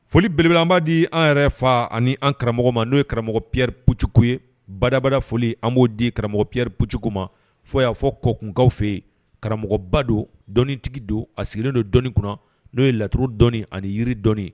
Foli bele an bba di an yɛrɛ fa ani an karamɔgɔ ma n'o ye karamɔgɔ ppɛri-c ye badabada foli an b'o di karamɔgɔ pɛri-tu ma fɔ y'a fɔ kɔkankan fɛ yen karamɔgɔba don dɔnniitigi don a sigilennen don dɔni kunna n'o ye laturu dɔ ani yiridɔni